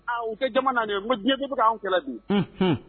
Aa u tɛ jama la nin ye; N ko diɲɛ tɛ se k'anw kɛlɛ ;Unhun.